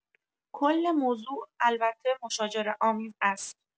کل موضوع البته مشاجره آمیز است.